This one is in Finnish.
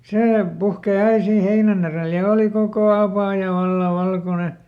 se puhkeaa aina siinä heinän edellä ja oli koko apaja vallan valkoinen